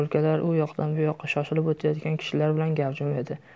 yo'lkalar u yoqdan bu yoqqa shoshilib o'tayotgan kishilar bilan gavjum edi